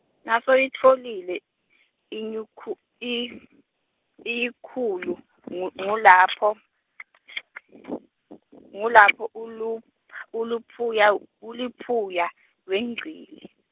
Nasuyitfolile iyinkhu- i- iyinkhulu, ngu- ngulapho, ngulapho ulu- uluphuya, uluphuya, wengcile.